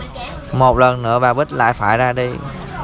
một lần nữa bà bích lại phải ra đi